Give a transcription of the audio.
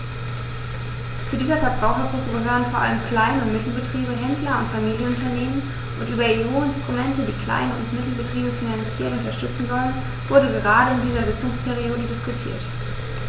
Zu dieser Verbrauchergruppe gehören vor allem Klein- und Mittelbetriebe, Händler und Familienunternehmen, und über EU-Instrumente, die Klein- und Mittelbetriebe finanziell unterstützen sollen, wurde gerade in dieser Sitzungsperiode diskutiert.